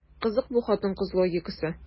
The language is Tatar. Кызык бу хатын-кыз логикасы.